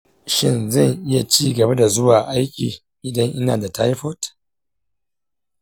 shin zan iya ci gaba da zuwa aiki idan ina da taifoid?